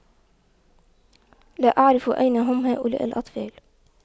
لا أعرف أين هم هؤلاء الأطفال